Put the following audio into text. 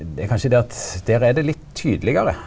det er kanskje det at der er det litt tydelegare.